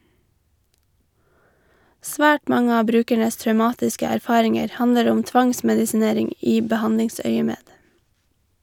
Svært mange av brukernes traumatiske erfaringer handler om tvangsmedisinering i behandlingsøyemed.